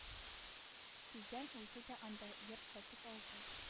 Тиздән үзе дә анда йорт сатып алды